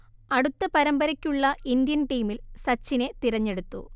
അടുത്ത പരമ്പരക്കുള്ള ഇന്ത്യൻ ടീമിൽ സച്ചിനെ തിരഞ്ഞെടുത്തു